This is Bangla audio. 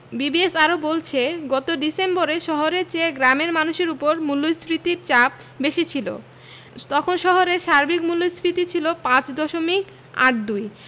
বিবিএস আরও বলছে গত ডিসেম্বরে শহরের চেয়ে গ্রামের মানুষের ওপর মূল্যস্ফীতির চাপ বেশি ছিল তখন শহরে সার্বিক মূল্যস্ফীতি ছিল ৫ দশমিক ৮২